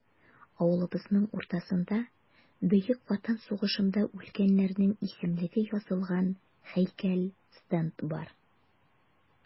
Авылыбызның уртасында Бөек Ватан сугышында үлгәннәрнең исемлеге язылган һәйкәл-стенд бар.